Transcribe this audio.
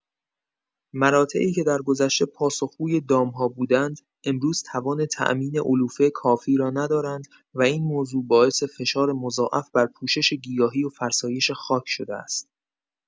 مراتعی که درگذشته پاسخگوی دام‌ها بودند، امروز توان تأمین علوفه کافی را ندارند و این موضوع باعث فشار مضاعف بر پوشش گیاهی و فرسایش خاک شده است.